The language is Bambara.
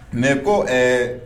Mais ko ɛɛ